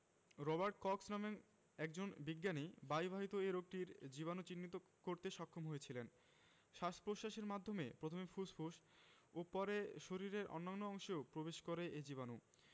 Robert Cox নামে একজন বিজ্ঞানী বায়ুবাহিত এ রোগটির জীবাণু চিহ্নিত করতে সক্ষম হয়েছিলেন শ্বাস প্রশ্বাসের মাধ্যমে প্রথমে ফুসফুসে ও পরে শরীরের অন্য অংশেও প্রবেশ করে এ জীবাণু